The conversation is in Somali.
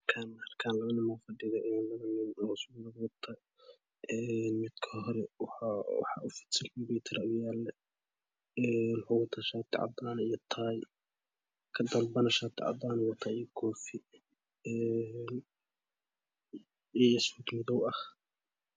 Halkaan labo nin aa fadhido ee labo nin oo suudada wato een midka hore waxa agyaalo kumbiitar een wuxu wata shaati cadaan iyo taay kan danbana shaati cadaan ah uu wataa iyo koofi iyo een shaati madow ah